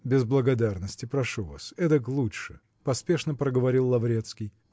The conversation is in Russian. -- Без благодарности, прошу вас, эдак лучше, -- поспешно проговорил Лаврецкий.